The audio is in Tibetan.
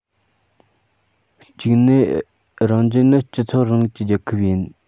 གཅིག ནས རང རྒྱལ ནི སྤྱི ཚོགས རིང ལུགས ཀྱི རྒྱལ ཁབ ཡིན